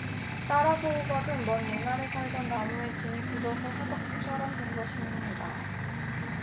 따라서 호박은 먼 옛날에 살던 나무의 진이 굳어서 화석처럼 된 것입니다